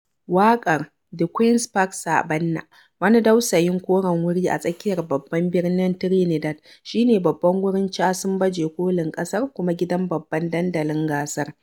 Waƙar The ƙueen's Park Saɓannah, wani dausayin koren wuri a tsakiyar babban birnin Trinidad, shi ne babban wurin casun baje-kolin ƙasar kuma gidan babban dandalin gasar.